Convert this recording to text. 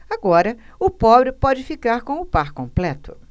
agora o pobre pode ficar com o par completo